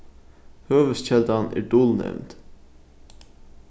høvuðskeldan er dulnevnd